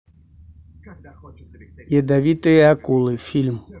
ядовитые акулы фильм